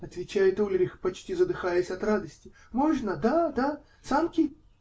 -- отвечает Ульрих, почти задыхаясь от радости. -- Можно? Да? Да? Санки!